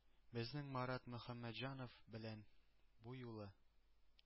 Безнең марат мөхәммәтҗанов белән бу юлы